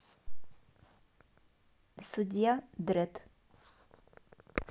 судья дредд